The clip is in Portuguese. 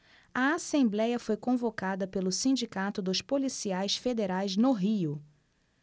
a assembléia foi convocada pelo sindicato dos policiais federais no rio